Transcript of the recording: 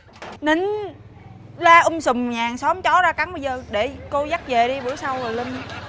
nín la um sùm nhà hàng xóm chó ra cắn bây giờ để cô dắt dề đi bữa sau rồi lên